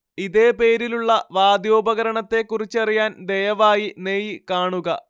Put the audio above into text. ഇതേ പേരിലുള്ള വാദ്യോപകരണത്തെക്കുറിച്ചറിയാൻ ദയവായി നെയ് കാണുക